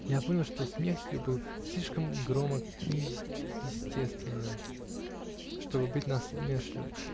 Я понял, что смех ее был слишком громок и естествен, чтобы быть насмешливым